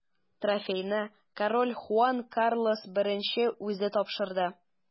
Трофейны король Хуан Карлос I үзе тапшырды.